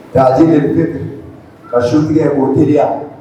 Kaj bɛ ka su kɛ o teriya